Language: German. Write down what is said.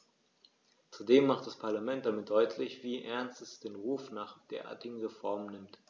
Zudem macht das Parlament damit deutlich, wie ernst es den Ruf nach derartigen Reformen nimmt.